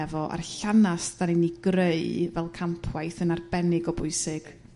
efo ar llanast 'dan ni'n 'i greu fel campwaith yn arbennig o bwysig.